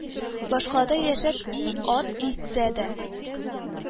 Башкалада яшәп и ат итсә дә